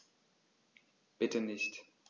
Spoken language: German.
Bitte nicht.